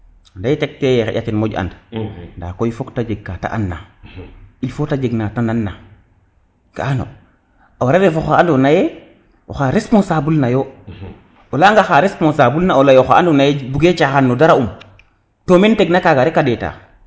ande tekte ye ten moƴu an nda koy fok te jeg kate and na il faut te jeg nate nan na ga ano a wara ref oxa ando naye oxa responsable na yo o leya nga oxa responsable na o ley oxa ando naye buge caxan no dara um to men teg na kaga rek a ndeta